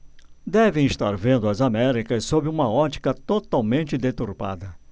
devem estar vendo as américas sob uma ótica totalmente deturpada